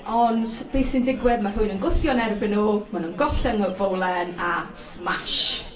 Ond be sy'n digwydd, ma' rhywun yn gwthio'n erbyn nhw, maen nhw'n gollwng y fowlen a smash.